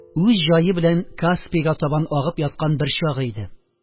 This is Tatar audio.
Үз җае белән каспийга табан агып яткан бер чагы иде.